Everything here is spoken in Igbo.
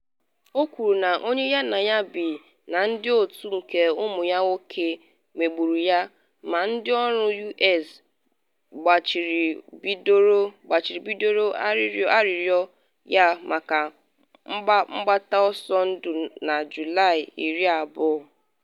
O kwuru na onye ya na ya bi “na ndị otu ike ụmụ ya nwoke” megburu ya, ma ndị ọrụ U.S gbachibidoro arịrịọ ya maka mgbata ọsọ ndụ na Julaị 20.